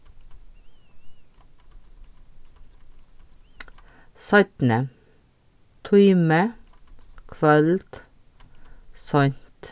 seinni tími kvøld seint